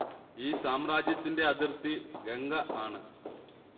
ഈ സാമ്രാജ്യത്തിന്റെ അതിർത്തി ഗംഗ ആണ്